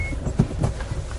h